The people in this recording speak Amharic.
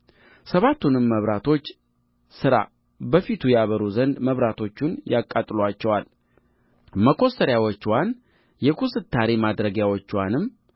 ሰባቱንም መብራቶች ሥራ በፊቱ ያበሩ ዘንድ መብራቶቹን ያቀጣጥሉአቸዋል መኰስተሪያዎችዋን የኵስታሪ ማድረጊያዎችዋንም